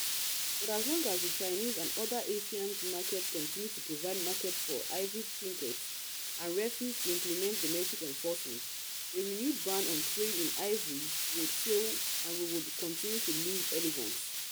But as long as the Chinese and other Asians markets continue to provide markets for ivory trinkets and refuse to implement domestic enforcement, a renewed ban on trade in ivory will fail and we will continue to lose elephants.